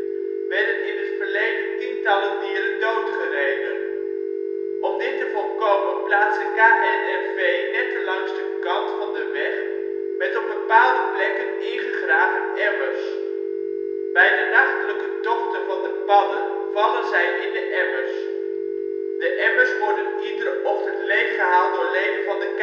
werden in het verleden tientallen dieren doodgereden. Om dit te voorkomen plaatst de KNNV netten langs de kant van de weg, met op bepaalde plekken ingegraven emmers. Bij de nachtelijke tochten van de padden, vallen zij in de emmers. De emmers worden iedere ochtend leeggehaald door leden van de